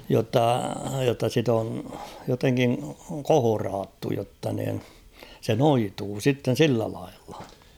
jotta jotta sitä on jotenkin kohdattu jotta niin se noituu sitten sillä lailla